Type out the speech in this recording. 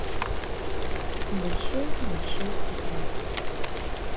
большой большой секрет